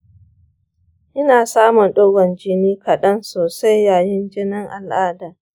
ina samun digon jini kaɗan sosai yayin jinin al’adata.